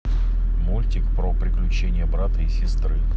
мультик про приключения брата и сестры